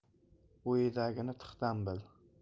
o'yidagini tihdan bil